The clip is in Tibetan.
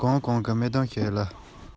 ཁྱི སྐད ཀྱིས ལྷིང འཇགས དཀྲོགས སོང